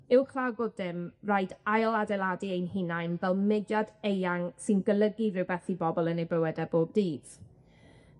Uwchlaw bob dim, raid ailadeiladu ein hunain fel mudiad eang sy'n golygu rwbeth i bobol yn eu bywyde bob dydd.